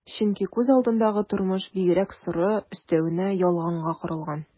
Чөнки күз алдындагы тормыш бигрәк соры, өстәвенә ялганга корылган...